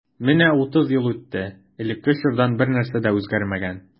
Менә утыз ел үтте, элекке чордан бернәрсә дә үзгәрмәгән.